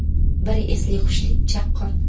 biri esli hushli chaqqon